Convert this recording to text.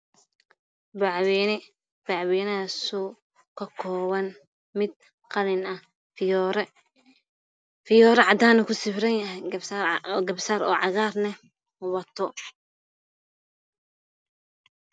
Bacwayma ka kooban qalin fiyoora cagaar ku sawiran yihiin fiyoora cagaar wato